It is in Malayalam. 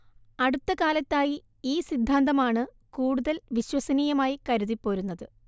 അടുത്ത കാലത്തായി ഈ സിദ്ധാന്തമാണ് കൂടുതൽ വിശ്വസനീയമായി കരുതിപ്പോരുന്നത്‌